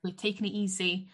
...we're taking it easy